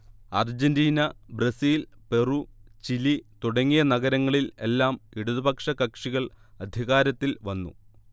Argentina, Brazil, Peru, Chile തുടങ്ങിയ നഗരങ്ങളിൽ എല്ലാം ഇടതുപക്ഷ കക്ഷികൾ അധികാരത്തിൽ വന്നു